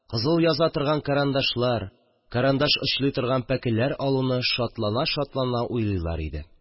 Кызыл яза торган карандашлар, карандаш очлый торган пәкеләр алуна шатлана-шатлана уйлыйлар иде